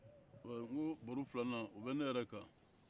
n ko baro filanan o bɛ ne yɛrɛ kan